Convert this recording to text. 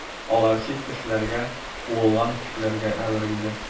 Алар чит кешеләргә, куылган кешеләргә әверелде.